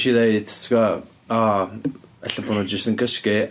Wnes i ddeud ti gwbod, "o ella bod nhw jyst yn cysgu".